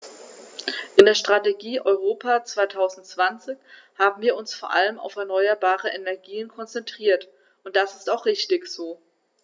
In der Strategie Europa 2020 haben wir uns vor allem auf erneuerbare Energien konzentriert, und das ist auch richtig so.